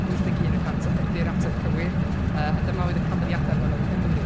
{wyth deg un} y cant ydy'r ateb cywir, yy a dyma oedd y canfyddiadau ar lefel Cymru.